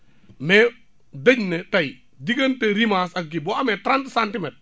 mais dañ ne tey diggante rimage ak kii boo amee trente centimètres